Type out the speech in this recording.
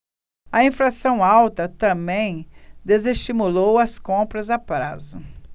a inflação alta também desestimulou as compras a prazo